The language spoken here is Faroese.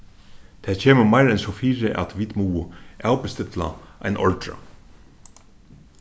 tað kemur meir enn so fyri at vit mugu avbestilla ein ordra